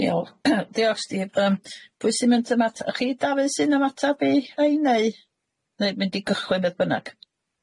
Diolch diolch Steve yym pwy sy'n mynd ymata- chi Dafydd sy'n ymatab i rhein neu neu mynd i gychwyn beth bynnag?